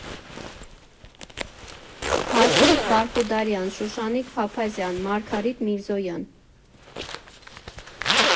Հասմիկ Բարխուդարյան, Շուշանիկ Փափազյան, Մարգարիտ Միրզոյան։